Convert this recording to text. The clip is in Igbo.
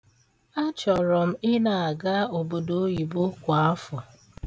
A chọrọ ị na-aga obodo oyibo kwa afọ.